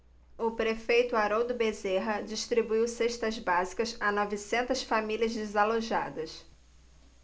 o prefeito haroldo bezerra distribuiu cestas básicas a novecentas famílias desalojadas